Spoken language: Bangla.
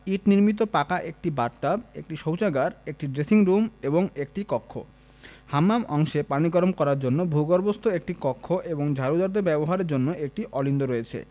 ইট নির্মিত পাকা একটি বাথ টাব একটি শৌচাগার একটি ড্রেসিং রুম এবং বাড়তি একটি কক্ষ হাম্মাম অংশে পানি গরম করার জন্য ভূগর্ভস্থ একটি কক্ষ এবং ঝাড়ুদারদের ব্যবহারের জন্য একটি অলিন্দ রয়েছে